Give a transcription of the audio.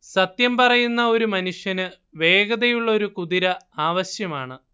സത്യം പറയുന്ന ഒരു മനുഷ്യന് വേഗതയുള്ള ഒരു കുതിര ആവശ്യമാണ്